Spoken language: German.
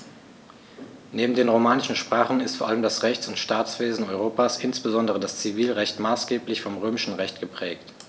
Neben den romanischen Sprachen ist vor allem das Rechts- und Staatswesen Europas, insbesondere das Zivilrecht, maßgeblich vom Römischen Recht geprägt.